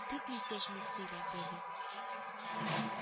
Түкми-чәчми сөйләп бирде